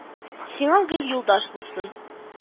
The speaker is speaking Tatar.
Сиңа гел юлдаш булсын